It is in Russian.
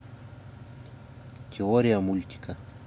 теория мультика